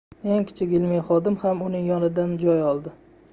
eng kichik ilmiy xodim ham uning yonidan joy oldi